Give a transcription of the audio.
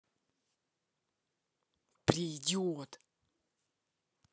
при идиот